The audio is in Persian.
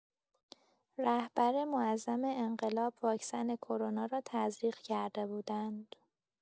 رهبر معظم انقلاب واکسن کرونا را تزریق کرده بودند.